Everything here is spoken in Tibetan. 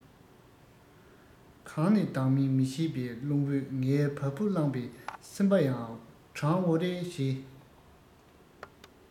གང ནས ལྡང མིན མི ཤེས པའི རླུང བུས ངའི བ སྤུ བསླངས པས སེམས པ ཡང གྲང འུར རེ བྱས